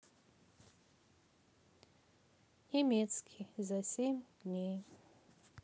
немецкий за семь дней